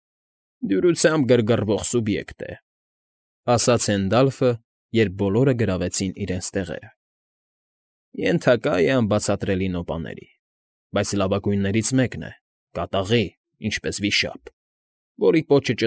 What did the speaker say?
Դյուրությամբ գրգռվող սուբյեկտ է, ֊ ասաց Հենդալֆը, երբ բոլորը գրավեցին իրենց տեղերը։ ֊ Ենթակա է անբացատրելի նոպաների, բայց լավագույններից մեկն է՝ կատաղի, ինչպես վիշապ, որի պոչը։